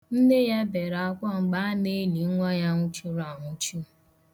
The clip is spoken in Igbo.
Nne ya bere akwa mgbe a na-eli nwa ya nwụchuru anwụchu.